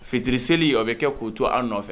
Fitiri selieli o bɛ kɛ k' to an nɔfɛ